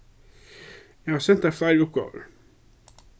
eg havi sent tær fleiri uppgávur